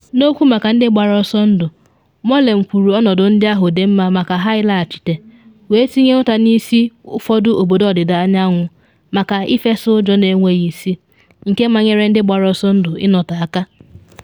N’okwu maka ndị gbara ọsọ ndụ, Moualem kwuru ọnọdụ ndị ahụ dị mma maka ha ịlaghachite, wee tinye ụta n’isi “ụfọdụ obodo ọdịda anyanwụ” maka “ịfesa ụjọ na enweghị isi” nke manyere ndị gbara ọsọ ndụ ịnọte aka.